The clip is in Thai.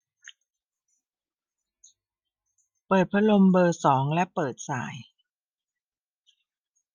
เปิดพัดลมเบอร์สองและเปิดส่าย